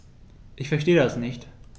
Ich verstehe das nicht.